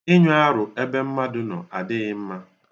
Ịnyụ arụ ebe mmadụ nọ adghị mma.